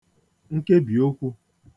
nkebìokwu